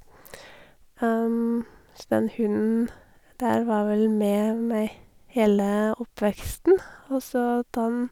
Så den hunden der var vel med meg hele oppveksten, og så da den...